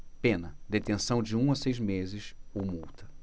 pena detenção de um a seis meses ou multa